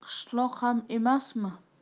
qishloq ham emasmi